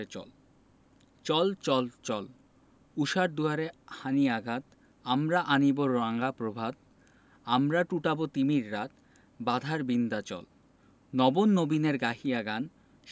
অরুণ প্রাতের তরুণ দল চল রে চল রে চল চল চল চল ঊষার দুয়ারে হানি' আঘাত আমরা আনিব রাঙা প্রভাত আমরা টুটাব তিমির রাত বাধার বিন্ধ্যাচল